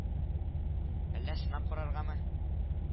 Әллә сынап караргамы